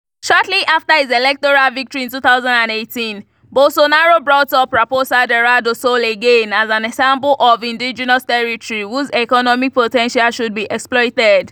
Shortly after his electoral victory in 2018, Bolsonaro brought up Raposa Terra do Sol again as an example of an indigenous territory whose economic potential should be exploited.